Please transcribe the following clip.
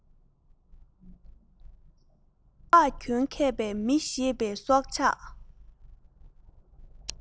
གཅན གཟན དང ལྷ འདྲེ ཀུན ལས འཇིགས སུ རུང